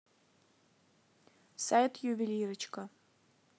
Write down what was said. сайт ювелирочка